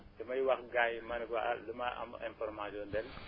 damay wax gars yi ma ne ko ah damaa am information daal